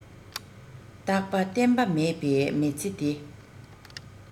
རྟག པ བརྟན པ མེད པའི མི ཚེ འདི